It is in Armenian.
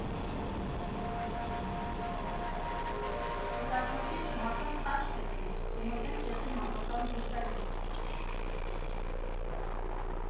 «Պիտաչոկին» չհասած աջ թեքվեք ու մտեք տեղի մանկական զբոսայգի։